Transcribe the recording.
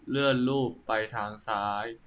เลื่อนรูปไปทางซ้าย